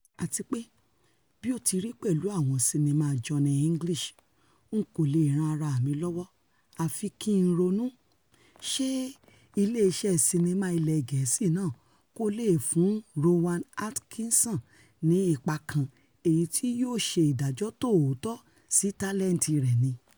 ̀Àtipé bí ó ti rí pẹ̀lú àwọn sinnimá Johnny English N kò leè ran ara mi lọ́wó àfi kí ńronú: ṣe ilé iṣẹ́ sinnimá ilẹ́ Gẹ̀ẹ́sì náà kò leè fún Rowan Atkinson ni ipa kan èyití yóò ṣe ìdájọ́ tòótọ́ sí tálẹ́ǹtì rẹ̀ ni?